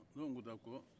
ne ko d'accord